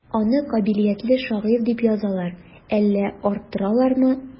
Аны кабилиятле шагыйрь дип язалар, әллә арттыралармы?